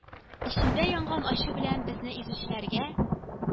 Эчемдә янган ачу белән безне изүчеләргә